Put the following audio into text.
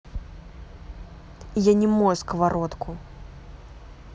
я не мою сковородку